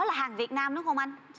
đó là hàng việt nam đúng không anh